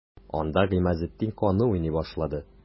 Анда Гыймазетдин каны уйный башлады.